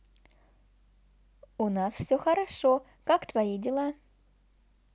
у нас все хорошо как твои дела